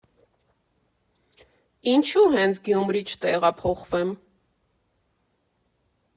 Ինչո՞ւ հենց Գյումրի չտեղափոխվեմ։